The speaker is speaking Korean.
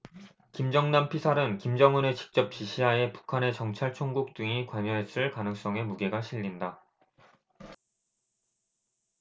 김정남 피살은 김정은의 직접 지시 하에 북한의 정찰총국 등이 관여했을 가능성에 무게가 실린다